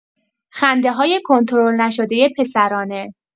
خنده‌های کنترل‌نشده پسرانه